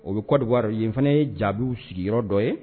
O bɛ kɔɔriwaru ye fana ye jaabiw sigiyɔrɔ dɔ ye